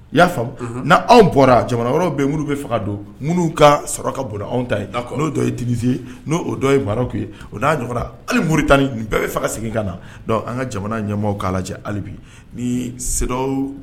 I y'a famu n' anw bɔra jamanaw bɛ muru faga don minnu ka saraka anw ta a ye tigi n' ye maraw kɛ o'ara ali muru tanani bɛɛ bɛ faga segin ka na an ka jamana ɲɛ k'a la cɛ bi ni se